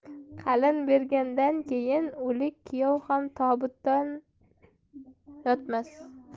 qalin bergandan keyin o'lik kuyov ham tobutda yotmas